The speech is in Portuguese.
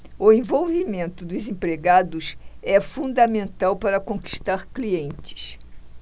o envolvimento dos empregados é fundamental para conquistar clientes